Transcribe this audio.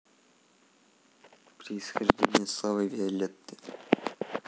происхождение слова виолетта